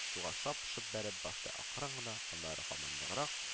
Суга шап-шоп бәреп, башта акрын гына, аннары һаман ныграк